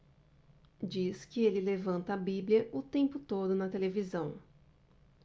diz que ele levanta a bíblia o tempo todo na televisão